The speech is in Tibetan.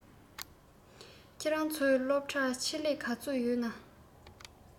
ཁྱོད རང ཚོའི སློབ གྲྭར ཆེད ལས ག ཚོད ཙམ ཡོད ན